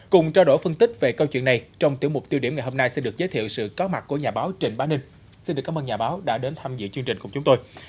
cùng trao đổi phân tích về câu chuyện này trong tiểu mục tiêu điểm ngày hôm nay sẽ được giới thiệu sự có mặt của nhà báo trịnh bá ninh xin được cám ơn nhà báo đã đến tham dự chương trình cùng chúng tôi